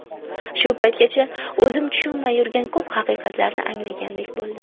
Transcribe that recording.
shu paytgacha o'zim tushunmay yurgan ko'p haqiqatlarni anglagandek bo'ldim